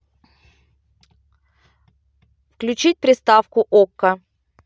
включить приставку окко